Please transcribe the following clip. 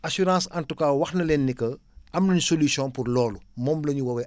assurance en tout cas wax na leen ni que :fraam nañu solution pour loolu moom la ñu woowee